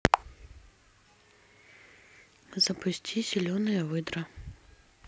запусти зеленая выдра